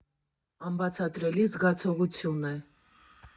«Անբացատրելի զգացողություն է։